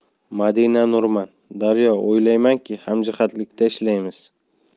madina nurman daryo o'ylaymanki hamjihatlikda ishlaymiz